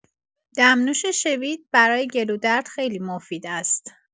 دمنوش شوید برای گلودرد خیلی مفید است